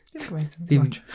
Ddim gymaint a hynna... Dim ots